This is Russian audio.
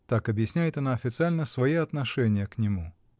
— так объясняет она официально свои отношения к нему.